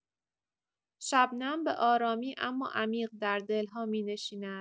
شبنم به‌آرامی اما عمیق در دل‌ها می‌نشیند.